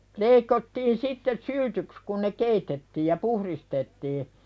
leikattiin sitten syltyksi kun ne keitettiin ja puhdistettiin